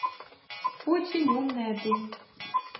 очень умная ты